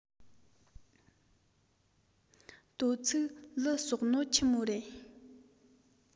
དོ ཚིགས ལུད གསོགས ནོ ཆི མོ རེད